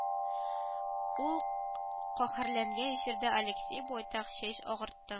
Ул каһәрләнгән җирдә алексей байтак чәч агартты